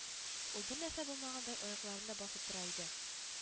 Ул бернәрсә булмагандай аякларында басып тора иде